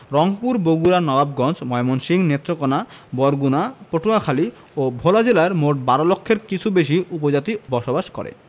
রংপুর বগুড়া নবাবগঞ্জ ময়মনসিংহ নেত্রকোনা বরগুনা পটুয়াখালী ও ভোলা জেলায় মোট ১২ লক্ষের কিছু বেশি উপজাতি বসবাস করে